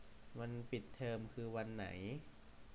วันปิดเทอมคือวันไหน